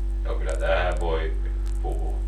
no kyllä tähän voi puhua